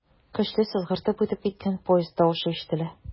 Көчле сызгыртып үтеп киткән поезд тавышы ишетелә.